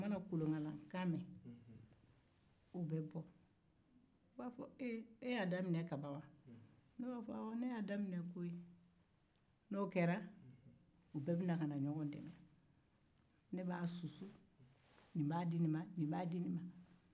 u be bɔ u b'a e y'a daminɛ kaban wa ne b'a fɔ awɔ ne y'a daminɛ koyi n'o kɛra u bɛ na ɲɔgɔn dɛmɛ ne b'a susu nin b'a di nin nin b'a di nin ma